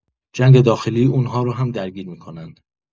جنگ داخلی اون‌ها رو هم درگیر می‌کنن